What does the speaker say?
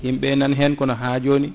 yimɓe nani hen kono ha joni